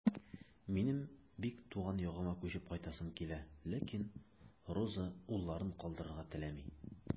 Минем бик туган ягыма күчеп кайтасым килә, ләкин Роза улларын калдырырга теләми.